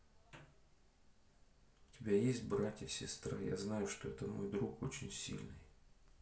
у тебя есть братья сестра я знаю что это мой друг очень сильный